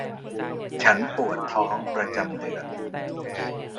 ฉันปวดท้องประจำเดือน